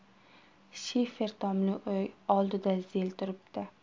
shifer tomli uy oldida zil turibdi